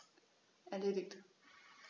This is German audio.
Erledigt.